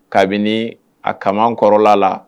Kabini a ka kɔrɔla la